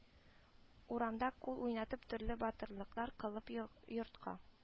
Урамда кул уйнатып, төрле “батырлыклар” кылып йортка